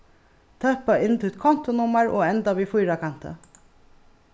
tøppa inn títt kontunummar og enda við fýrakanti